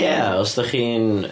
Ie os ydach chi'n...